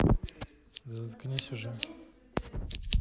да заткнись уже